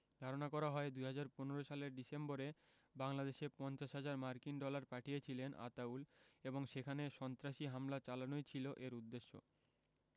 ধারণা করা হয় ২০১৫ সালের ডিসেম্বরে বাংলাদেশে ৫০ হাজার মার্কিন ডলার পাঠিয়েছিলেন আতাউল এবং সেখানে সন্ত্রাসী হামলা চালানোই ছিল এর উদ্দেশ্য